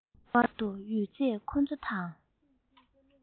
འོག ཏུ ཡོད ཚད ཁོ ཚོ དང